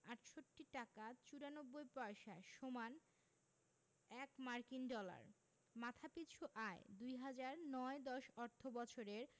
৬৮ টাকা ৯৪ পয়সা সমান ১ মার্কিন ডলার মাথাপিছু আয়ঃ ২০০৯ ১০ অর্থবছরের